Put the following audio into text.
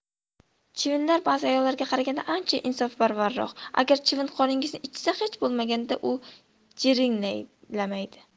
chivinlar ba'zi ayollarga qaraganda ancha insonparvarroq agar chivin qoningizni ichsa hech bo'lmaganda u jiringlamaydi